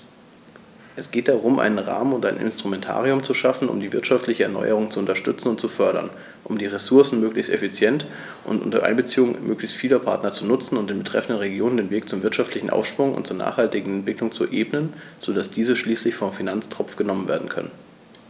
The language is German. Es geht darum, einen Rahmen und ein Instrumentarium zu schaffen, um die wirtschaftliche Erneuerung zu unterstützen und zu fördern, um die Ressourcen möglichst effektiv und unter Einbeziehung möglichst vieler Partner zu nutzen und den betreffenden Regionen den Weg zum wirtschaftlichen Aufschwung und zur nachhaltigen Entwicklung zu ebnen, so dass diese schließlich vom Finanztropf genommen werden können.